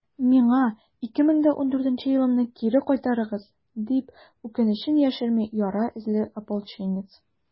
«миңа 2014 елымны кире кайтарыгыз!» - дип, үкенечен яшерми яра эзле ополченец.